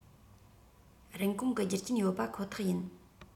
རིན གོང གི རྒྱུ རྐྱེན ཡོད པ ཁོ ཐག ཡིན